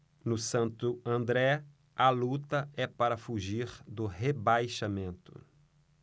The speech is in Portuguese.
no santo andré a luta é para fugir do rebaixamento